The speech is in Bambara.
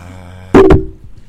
Wa